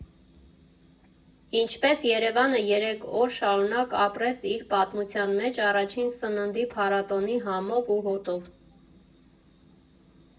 Ինչպես Երևանը երեք օր շարունակ ապրեց իր պատմության մեջ առաջին սննդի փառատոնի համով ու հոտով։